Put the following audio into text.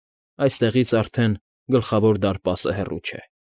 Այստեղից արդեն Գլխավոր դարպասը հեռու չէ։